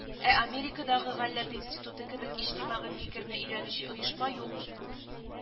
Ә америкадагы гэллап институты кебек иҗтимагый фикерне өйрәнүче оешма юк